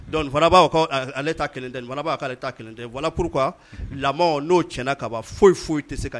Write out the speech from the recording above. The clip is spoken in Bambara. Donc non fana ba fɔ kale ta kelen tɛ , nin fana ba fɔ kale ta kelen tɛ. voilà pourquoi w lamɔn no tiɲɛna ka ban foyi foyi tɛ se ka